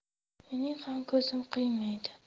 mening ham ko'zim qiymaydi